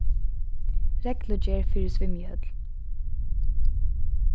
reglugerð fyri svimjihøll